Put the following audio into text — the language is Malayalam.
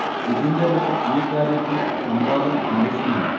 ഇതിന്റെ മേൽ ഈ കാര്യത്തിൽ സംവാദം ആവശ്യമില്ല